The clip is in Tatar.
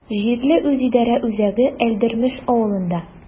Җирле үзидарә үзәге Әлдермеш авылында.